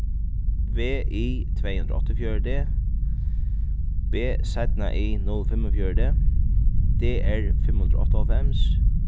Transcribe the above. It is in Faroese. v i tvey hundrað og áttaogfjøruti b y null fimmogfjøruti d r fimm hundrað og áttaoghálvfems